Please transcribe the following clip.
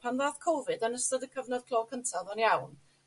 pan ddath Cofid yn ystod y cyfnod clo cynta odd o'n iawn.